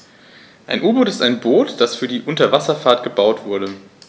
Ein U-Boot ist ein Boot, das für die Unterwasserfahrt gebaut wurde.